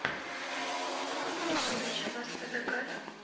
включи баста ноггано